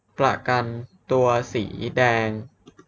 ประกันตัวสีแดง